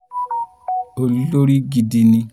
Olórí gidi ni.